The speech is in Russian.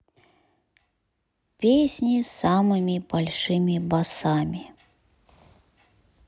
песни с самыми большими басами